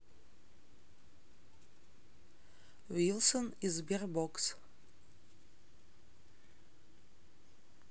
wilson и sberbox